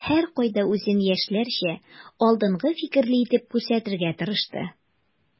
Һәркайда үзен яшьләрчә, алдынгы фикерле итеп күрсәтергә тырышты.